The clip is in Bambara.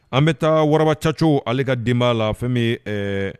An bɛ taa waraba cacogo ale ka den b'a la fɛn